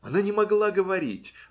Она не могла говорить